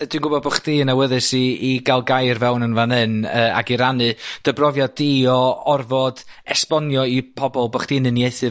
Yy dwi gwbod bo' chdi yn awyddus i i ga'l gair fewn yn fan hyn. Yy ag i rannu dy brofiad di o orfod esbonio i pobol bo' chdi'n uniaethu